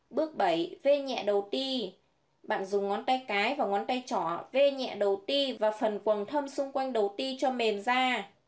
bước vê nhẹ đầu ti bạn dùng ngón tay cái và ngón tay trỏ vê nhẹ đầu ti và phần quầng thâm xung quanh đầu ti cho mềm ra